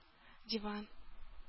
Диван